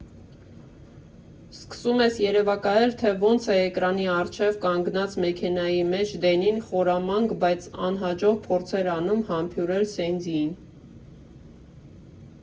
Սկսում ես երևակայել, թե ոնց է էկրանի առջև կանգնած մեքենայի մեջ Դենին խորամանկ, բայց անհաջող փորձեր անում համբուրել Սենդիին։